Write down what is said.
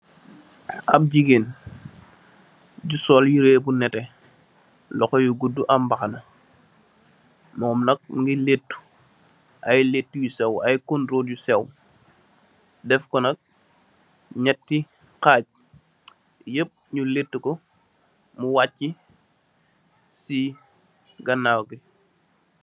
Ab jigeen ju sol yire bu nete, loxo yu guddu am mbaxana, mom nak mingi leetu, ay leetu yu sew, ay kondurut yu sew, def ko nak, nyatti xaaj, yapp nyu leetu ko mu wacci, si gannaaw ngi.